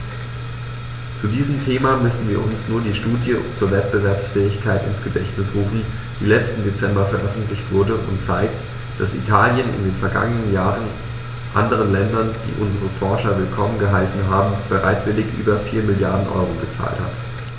Zu diesem Thema müssen wir uns nur die Studie zur Wettbewerbsfähigkeit ins Gedächtnis rufen, die letzten Dezember veröffentlicht wurde und zeigt, dass Italien in den vergangenen Jahren anderen Ländern, die unsere Forscher willkommen geheißen haben, bereitwillig über 4 Mrd. EUR gezahlt hat.